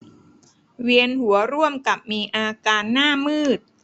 เวียนหัวร่วมกับมีอาการหน้ามืด